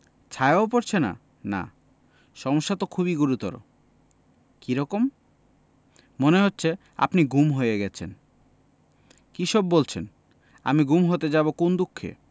ছায়াও পড়ছে না না সমস্যা তো খুবই গুরুতর কী রকম মনে হচ্ছে আপনি গুম হয়ে গেছেন কী সব বলছেন আমি গুম হতে যাব কোন দুঃখে